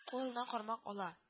Кулына кармак ала